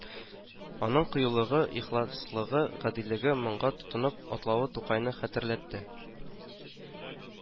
Аның кыюлыгы, ихласлыгы, гадилеге, моңга тотынып атлавы Тукайны хәтерләтте